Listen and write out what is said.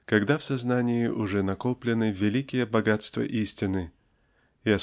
когда в сознании уже накоплены великие богатства истины и